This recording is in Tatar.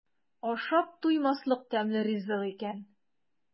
Ашап туймаслык тәмле ризык икән.